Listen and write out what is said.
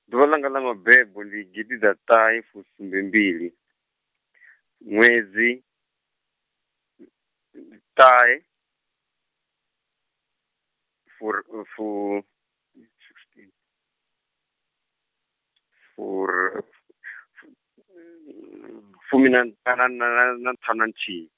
ḓuvha langa ḽa mabebo ndi gidiḓaṱahefusumbembili, ṅwedzi, n- ndi ṱahe, fur- fu-, sixteen, fur-, fumi na nthanu na na n- na nthihi.